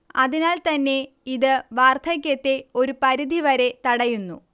അതിനാൽ തന്നെ ഇത് വാർധക്യത്തെ ഒരു പരിധിവരെ തടയുന്നു